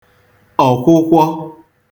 ọ̀kwụkwọ